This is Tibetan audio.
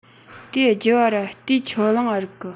དེའི རྒྱུ བ ར ཏིས ཆོ ལང ང རིག གི